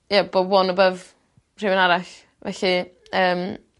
ie bo' one above rhyw un arall felly yym.